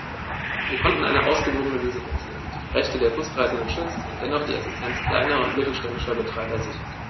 Wir konnten eine ausgewogene Lösung erzielen, die die Rechte der Busreisenden schützt und dennoch die Existenz kleiner und mittelständischer Betreiber sichert.